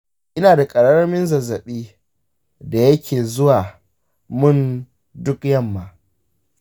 ina da ƙaramin zazzaɓi da yake zuwa mun duk yamma.